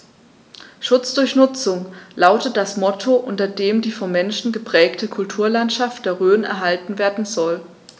„Schutz durch Nutzung“ lautet das Motto, unter dem die vom Menschen geprägte Kulturlandschaft der Rhön erhalten werden soll.